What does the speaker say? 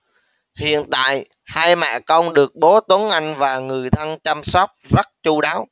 hiện tại hai mẹ con được bố tuấn anh và người thân chăm sóc rất chu đáo